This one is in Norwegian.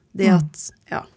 det at ja.